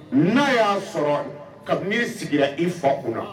N'a y'a sɔrɔ kabini n'i sigi i fa u na